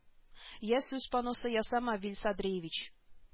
Йә сүз паносы ясама вил садриевич